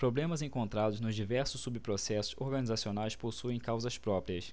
problemas encontrados nos diversos subprocessos organizacionais possuem causas próprias